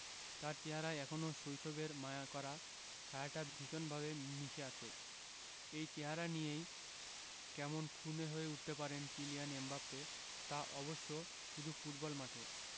তাঁর চেহারায় এখনো শৈশবের মায়াকাড়া ছায়াটা ভীষণভাবে মিশে আছে এই চেহারা নিয়েই কেমন খুনে হয়ে উঠতে পারেন কিলিয়ান এমবাপ্পে তা অবশ্য শুধু ফুটবল মাঠে